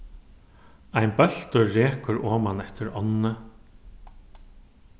ein bóltur rekur oman eftir ánni